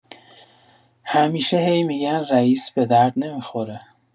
همیشه هی می‌گن رئیس بدرد نمی‌خوره.